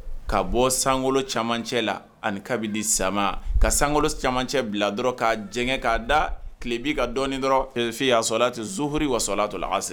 Ka bɔ san golo camancɛ la ani kabinibi di sama ka san golo caman cɛ bila dɔrɔn ka jɛgɛgɛ k'a da tileb' ka dɔɔnin dɔrɔnfi ya sɔrɔla ten sofuru wasola to la kase